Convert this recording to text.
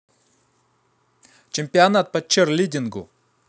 чемпионат по черлидингу